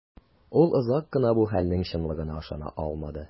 Ул озак кына бу хәлнең чынлыгына ышана алмады.